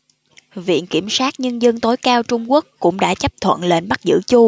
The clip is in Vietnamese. viện kiểm sát nhân dân tối cao trung quốc cũng đã chấp thuận lệnh bắt giữ chu